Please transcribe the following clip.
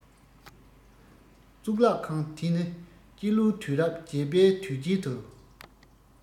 གཙུག ལག ཁང དེ ནི སྤྱི ལོའི དུས རབས ༨ པའི དུས དཀྱིལ དུ